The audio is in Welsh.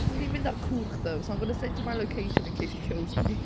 ni'n mynd ar cwch though, so I'm going to send you my location in case he kills me.